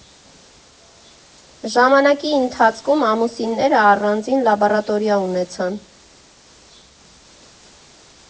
Ժամանակի ընթացքում ամուսինները առանձին լաբորատորիա ունեցան։